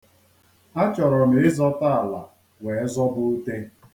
A chọrọ m ịzọta ala wee zọba ute.